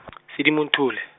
Sedimonthole.